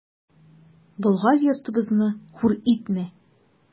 Болгар йортыбызны хур итмә!